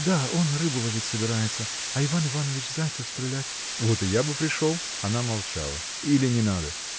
— Да, он рыбу ловить собирается, а Иван Иванович зайцев стрелять. — Вот и я бы пришел. Она молчала. — Или не надо?